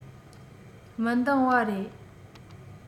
མི འདང བ རེད